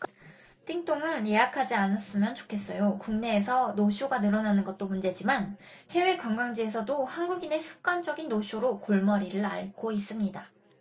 띵똥은 예약하지 않았으면 좋겠어요국내에서 노쇼가 늘어나는 것도 문제지만 해외 관광지에서도 한국인의 습관적인 노쇼로 골머리를 앓고 있습니다